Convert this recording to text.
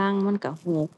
ลน์